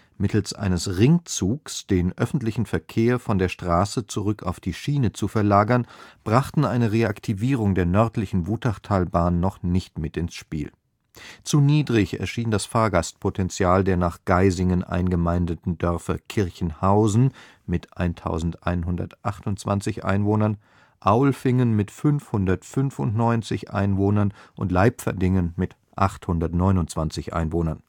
mittels eines Ringzugs den öffentlichen Verkehr von der Straße zurück auf die Schiene zu verlagern, brachten eine Reaktivierung der nördlichen Wutachtalbahn noch nicht mit ins Spiel. Zu niedrig erschien das Fahrgastpotential der nach Geisingen eingemeindeten Dörfer Kirchen-Hausen (1.128 Einwohner), Aulfingen (595 Einwohner) und Leipferdingen (829 Einwohner